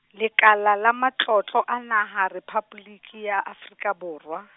lekala la Matlotlo a Naha, Rephaboliki ya Afrika Borwa.